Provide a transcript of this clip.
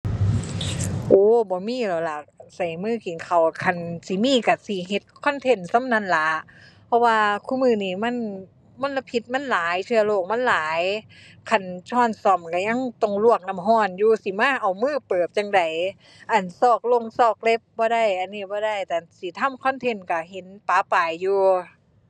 โอ้ บ่มีแล้วล่ะใช้มือกินข้าว คันสิมีใช้สิเฮ็ดคอนเทนต์ ส่ำนั้นล่ะ เพราะว่าคุมื้อนี้มัน มลพิษมันหลาย เชื้อโรคมันหลาย คันช้อนส้อมใช้ยังต้องลวกน้ำใช้อยู่ สิมาเอามือเปิบจั่งใด อั่น ซอกลงซอกเล็บบ่ได้ อันนี้บ่ได้ คันสิทำ content ใช้เห็นประปรายอยู่